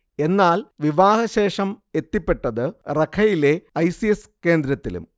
എന്നാൽ, വിവാഹശേഷം എത്തിപ്പെട്ടത് റഖയിലെ ഐസിസ് കേന്ദ്രത്തിലും